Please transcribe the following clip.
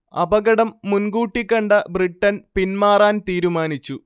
അപകടം മുൻകൂട്ടി കണ്ട ബ്രിട്ടൻ പിന്മാറാൻ തീരുമാനിച്ചു